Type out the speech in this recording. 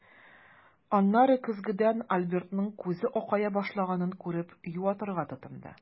Аннары көзгедән Альбертның күзе акая башлаганын күреп, юатырга тотынды.